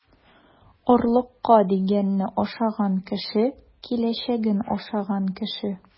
Орлыкка дигәнне ашаган кеше - киләчәген ашаган кеше.